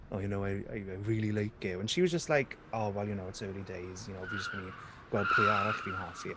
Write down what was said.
"oh you know I I I really like you" and she was just like "oh well you know, it's early days." you know? "Fi jyst mynd i gweld pwy arall fi'n hoffi."